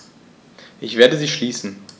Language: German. Ich werde sie schließen.